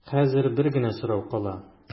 Хәзер бер генә сорау кала.